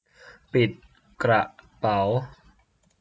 ปิดกระเป๋า